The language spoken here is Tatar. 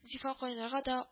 Зифа каеннарга да